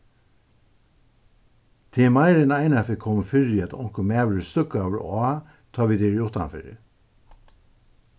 og tað er meira enn einaferð komið fyri at onkur maður er steðgaður á tá vit eru uttanfyri